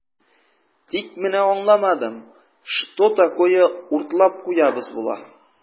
Тик менә аңламадым, что такое "уртлап куябыз" була?